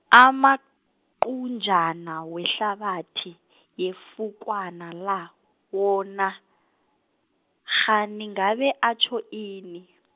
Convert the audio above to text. amaqutjana wehlabathi, yefukwana la, wona, kghani ngabe atjho ini.